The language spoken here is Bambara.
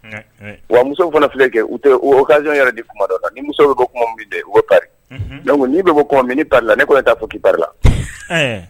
Wa musow fana filɛ yɛrɛ ni bɛ bɛ la ne fo' kari la